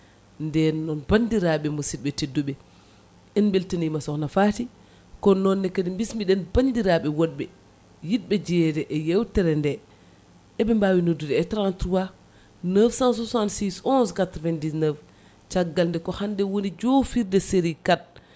nden noon bandiraɓe musidɓe tedduɓe en beltanima sokhna Faty kono noonne kadi bismiɗen bandiraɓe wodɓe yidɓe jeyede e yewtere nde eɓe mbawi noddude e 33 966 11 99 caggal nde ko hande woni jofirde série 4